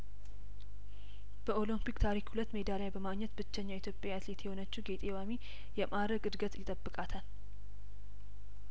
በኦሎምፒክ ታሪክ ሁለት ሜዳሊያበማግኘት ብቸኛዋ ኢትዮጵያዊ አትሌት የሆነችው ጌጤ ዋሚ የማእረግ እድገት ይጠብቃታል